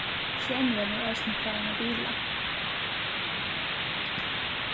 skermurin er eisini farin at bila